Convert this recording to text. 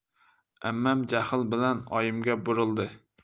ammam jahl bilan oyimga burildi